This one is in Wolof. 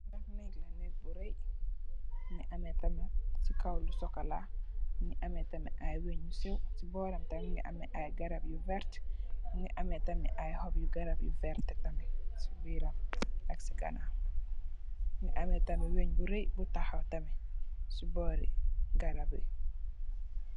Li nak nèeg la, nèeg bu rëy, mungi ameh tamit ci kaw lu sokola, mungi ameh tamit ay wënn. Ci boram tamit mungi ameh ay garab yu vert, mungi ameh tamit ay hoop garab yu vert tamit ci biram ak ci ganaaw. Mungi ameh tamit wënn bu rëy bu tahaw tamit ci bori garab yi.